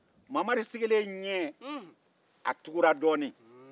mamari sigilen ɲɛ tugura dɔɔnin